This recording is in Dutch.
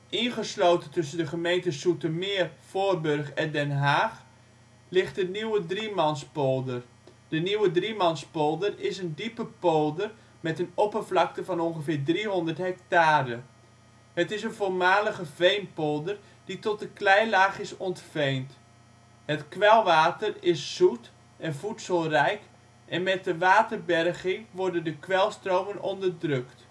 Ingesloten tussen de gemeentes Zoetermeer, Voorburg en Den Haag ligt de Nieuwe Driemanspolder. De Nieuwe Driemanspolder is een diepe polder met een oppervlakte van ongeveer 300 hectare. Het is een voormalige veenpolder, die tot de kleilaag is ontveend. Het kwelwater is (nog) zoet en voedselrijk en met de waterberging worden de kwelstromen onderdrukt